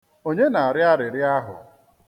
Onye na-arịọ arịrịọ ahụ?